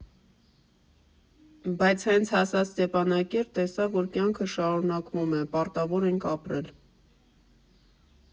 Բայց հենց հասա Ստեփանակերտ, տեսա, որ կյանքը շարունակվում է, պարտավոր ենք ապրել։